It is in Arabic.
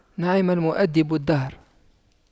نعم المؤَدِّبُ الدهر